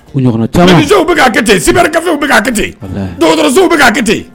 W sibiriw bɛw bɛ' kɛte